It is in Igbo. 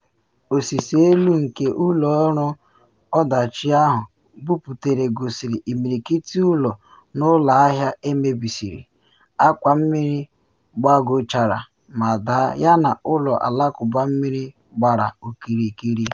Ọsịse elu nke ụlọ ọrụ ọdachi ahụ buputere gosiri imirikiti ụlọ na ụlọ ahịa emebisiri, akwa mmiri gbagochara ma daa yana ụlọ alakụba mmiri gbara okirikiri.